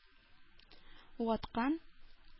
Ваткан